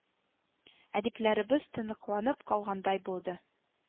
Әдипләребез тоныкланып калгандай булды